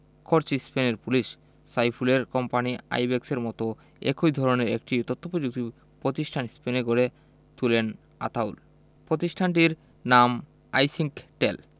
করেছে স্পেনের পুলিশ সাইফুলের কোম্পানি আইব্যাকসের মতো একই ধরনের একটি তথ্যপ্রযুক্তি প্রতিষ্ঠান স্পেনে গড়ে তোলেন আতাউল প্রতিষ্ঠানটির নাম আইসিংকটেল